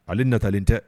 Ale natalen tɛ